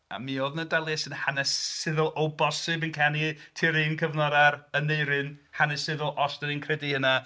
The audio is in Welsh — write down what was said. Mi oedd 'na Daliesin hanesyddol o bosib yn canu tua'r un cyfnod a'r Aneirin Hanesyddol, os dan ni'n credu hynna...